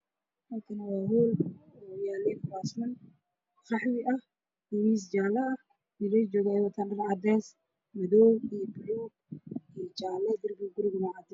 Meeshaan waa hool ay yaalaan kuraas